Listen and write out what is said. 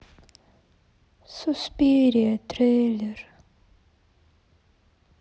суспирия трейлер